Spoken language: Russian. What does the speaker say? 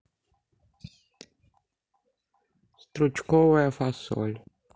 стручковая фасоль